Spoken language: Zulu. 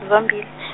zombili .